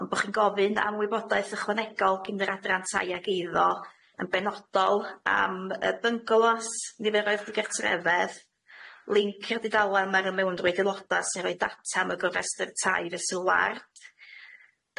ond bo' chi'n gofyn am wybodaeth ychwanegol gyn yr adran tai ag eiddo yn benodol am yy byngalos, niferoedd y gartrefedd, link i'r dudalan ma' nw mewn drwy adeiloda sy'n rhoi data am y gor- restr tai fesulard,